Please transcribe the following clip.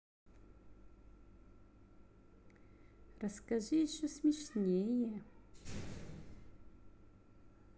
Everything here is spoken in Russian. расскажи еще смешнее